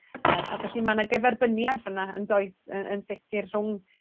Yy a felly ma' 'na gyferbyniad fan 'na y'nd oes yy yn sicr rhwng